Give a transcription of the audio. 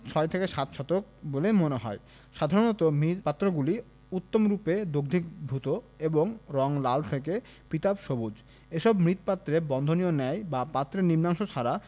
ছয় থেকে সাত শতক বলে মনে হয় সাধারণত মৃৎপাত্রগুলি উত্তমরূপে দগ্ধীভূত এবং রং লাল থেকে পীতাভ সবুজ এসব মৃৎপাত্রে বন্ধনীয় ন্যায় বা পাত্রের নিম্নাংশ ছাড়া